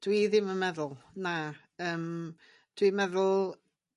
Dwi ddim yn meddwl. Na. Yym dwi meddwl